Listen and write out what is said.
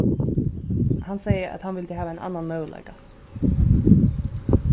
hann segði at hann vildi hava ein annan møguleika